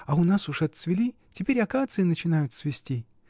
А у нас уж отцвели, теперь акации начинают цвести.